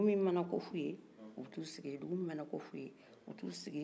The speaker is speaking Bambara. dugu min mana kɔf'u ye u bɛ t'u sigin ye